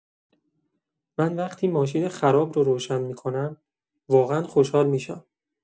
من وقتی ماشین خراب رو روشن می‌کنم، واقعا خوشحال می‌شم.